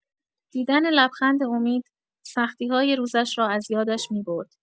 دیدن لبخند امید، سختی‌های روزش را از یادش می‌برد.